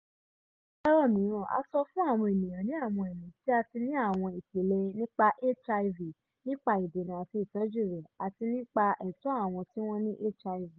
Lórọ̀ mìíràn a sọ fún àwọn ènìyàn ní àwọn ìlú tí a ti ní àwọn ìpìlẹ̀ nípa HIV, nípa ìdènà àti ìtọ́jú rẹ̀ àti nípa ẹ̀tọ́ àwọn tí wọ́n ní HIV.